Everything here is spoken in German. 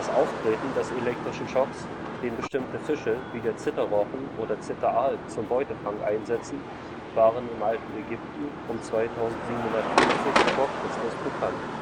Auftreten des elektrischen Schocks, den bestimmte Fische wie der Zitterrochen oder Zitteraal zum Beutefang einsetzen, war im alten Ägypten um 2750 v. Chr. bekannt